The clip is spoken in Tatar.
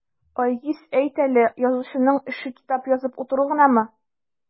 Айгиз, әйт әле, язучының эше китап язып утыру гынамы?